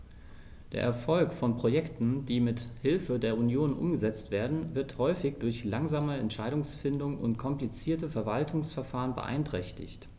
Der Erfolg von Projekten, die mit Hilfe der Union umgesetzt werden, wird häufig durch langsame Entscheidungsfindung und komplizierte Verwaltungsverfahren beeinträchtigt.